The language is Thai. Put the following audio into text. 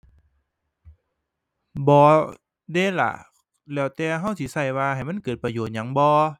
บ่เดะล่ะ แล้วแต่เราสิเราว่า ให้มันเกิดประโยชน์หยังบ่